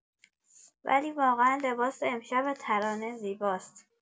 ولی واقعا لباس امشب ترانه زیباست.